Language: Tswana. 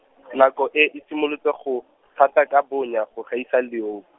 nako e e simolotse go, gata ka bonya go gaisa leobu.